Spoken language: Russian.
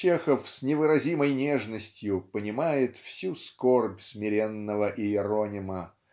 Чехов с невыразимой нежностью понимает всю скорбь смиренного Иеронима